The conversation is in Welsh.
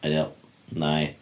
Eidial, wna i.